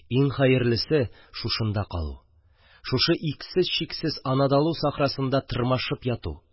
– иң хәерлесе – шушында калу, шушы иксез-чиксез анадолу сахрасында тырмашып яту.